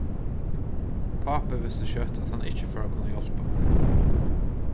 pápin visti skjótt at hann ikki fór at kunna hjálpa